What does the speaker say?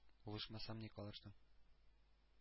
— булышмасам, ни кылырсың?